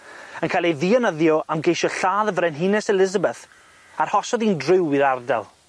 yn cael ei ddienyddio am geisio lladd y frenhines Elizabeth, arhosodd 'i'n driw i'r ardal.